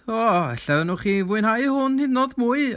O, ella wnewch chi fwynhau hwn hyd yn oed mwy?